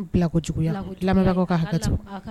Bila kojugu lamɔbagawkaw ka hakɛ